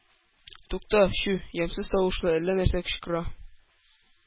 Тукта, чү! Ямьсез тавышлы әллә нәрсә кычкыра.